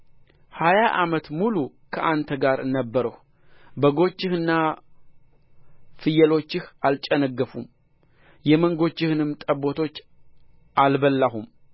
ሀያ ዓመት ሙሉ ከአንተ ጋር ነበርሁ በጎችህና ፍየሎችህ አልጨነገፉም የመንጎችህንም ጠቦቶች አልበላሁም